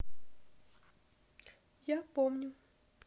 я помню